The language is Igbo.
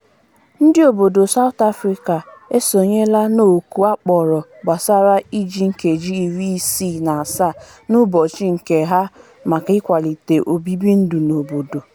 Ndị obodo South Afrịka esonyerela n'oku akpọrọ gbasara iji nkeji 67 n'ụbọchị nke ha maka ịkwalite obibi ndụ n'obodo.